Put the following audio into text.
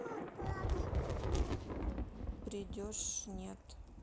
приедешь нет